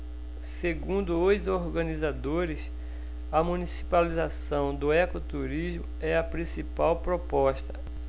segundo os organizadores a municipalização do ecoturismo é a principal proposta